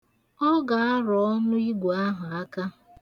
Ọ ga-arụ ọnụ igwe a aka.